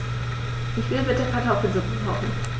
Ich will bitte Kartoffelsuppe kochen.